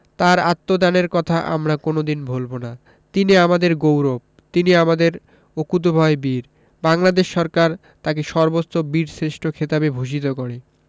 তাঁর আত্মদানের কথা আমরা কোনো দিন ভুলব না তিনি আমাদের গৌরব তিনি আমাদের অকুতোভয় বীর বাংলাদেশ সরকার তাঁকে সর্বোচ্চ বীরশ্রেষ্ঠ খেতাবে ভূষিত করে